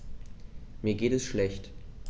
Mir geht es schlecht.